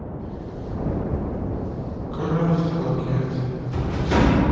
крафт пакет